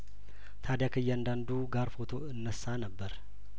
ታድያ ከእያንዳንዱ ጋር ፎቶ እነሳ ነበር